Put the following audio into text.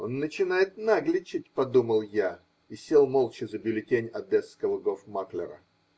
"Он начинает нагличать", -- подумал я и сел молча за бюллетень одесского гоф маклера.